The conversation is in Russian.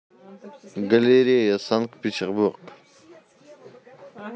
галерея санкт петербург